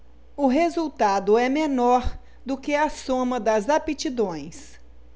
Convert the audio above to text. o resultado é menor do que a soma das aptidões